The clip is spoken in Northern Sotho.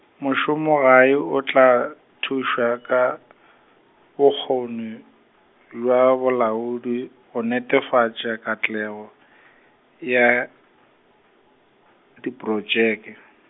mošomo gae o tla thuša ka, bokgoni, bja bolaodi, go netefatša katlego, ya, diprotšeke.